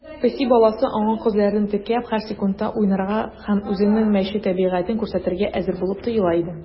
Песи баласы, аңа күзләрен текәп, һәр секундта уйнарга һәм үзенең мәче табигатен күрсәтергә әзер булып тоела иде.